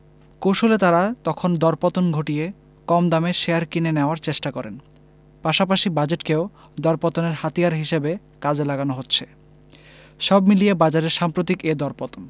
কৌশলে তাঁরা তখন দরপতন ঘটিয়ে কম দামে শেয়ার কিনে নেওয়ার চেষ্টা করেন পাশাপাশি বাজেটকেও দরপতনের হাতিয়ার হিসেবে কাজে লাগানো হচ্ছে সব মিলিয়ে বাজারের সাম্প্রতিক এ দরপতন